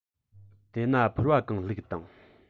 དེ ན ཕོར བ གང བླུགས དང